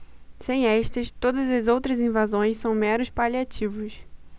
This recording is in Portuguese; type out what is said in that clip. sem estas todas as outras invasões são meros paliativos